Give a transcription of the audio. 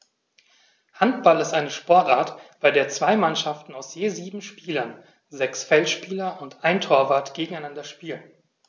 Handball ist eine Sportart, bei der zwei Mannschaften aus je sieben Spielern (sechs Feldspieler und ein Torwart) gegeneinander spielen.